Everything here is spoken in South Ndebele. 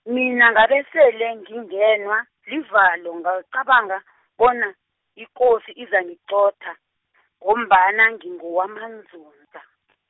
mina ngabesele ngingenwa, livalo, ngicabanga, bona ikosi izangiqotha , ngombana ngingowamaNdzundza .